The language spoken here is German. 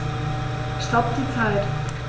Stopp die Zeit